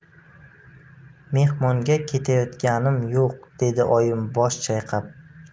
mehmonga ketayotganim yo'q dedi oyim bosh chayqab